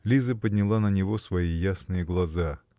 Лиза подняла на него свои ясные глаза.